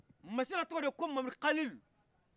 masila tɔgɔ de ye ko mamadu kali